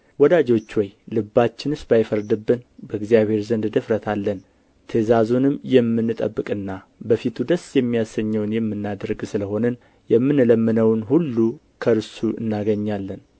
ወዳጆች ሆይ ልባችንስ ባይፈርድብን በእግዚአብሔር ዘንድ ድፍረት አለን ትእዛዙንም የምንጠብቅና በፊቱ ደስ የሚያሰኘውን የምናደርግ ስለሆንን የምንለምነውን ሁሉ ከእርሱ እናገኛለን